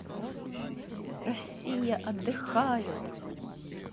россия отдыхает